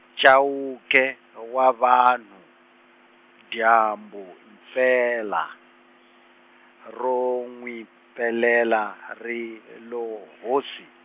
Chauke wa vanhu, dyambu mpela, ro n'wi pelela ri lo hosi.